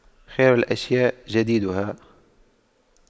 خير الأشياء جديدها